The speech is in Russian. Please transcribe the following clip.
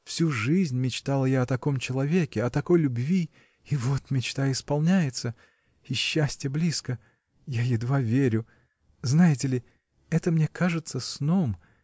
Всю жизнь мечтала я о таком человеке, о такой любви. и вот мечта исполняется. и счастье близко. я едва верю. Знаете ли: это мне кажется сном.